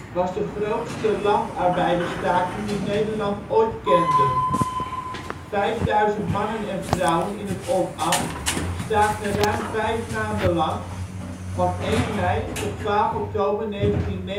was de grootste landarbeidersstaking die Nederland ooit kende. 5000 mannen en vrouwen in het Oldambt staakten ruim vijf maanden lang (van 1 mei tot 12 oktober 1929